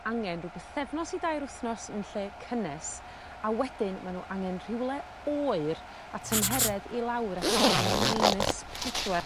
angen rw bythefnos i dair wthnos yn lle cynnes a wedyn ma' n'w angen rhywle oer a tymheredd i lawr at y tua minus pedwar.